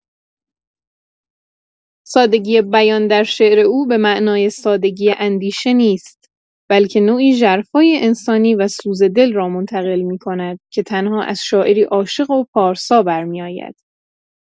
سادگی بیان در شعر او به معنای سادگی اندیشه نیست، بلکه نوعی ژرفای انسانی و سوز دل را منتقل می‌کند که تنها از شاعری عاشق و پارسا برمی‌آید.